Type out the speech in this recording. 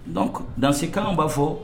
Don dankan b'a fɔ